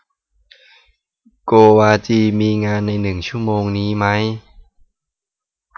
โกวาจีมีงานในหนึ่งชั่วโมงนี้ไหม